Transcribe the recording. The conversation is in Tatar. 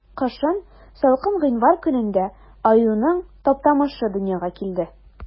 Кышын, салкын гыйнвар көнендә, аюның Таптамышы дөньяга килде.